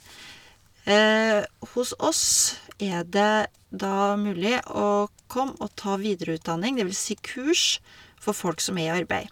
Hos oss er det da mulig å komme og ta videreutdanning, det vil si kurs, for folk som er i arbeid.